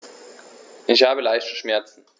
Ich habe leichte Schmerzen.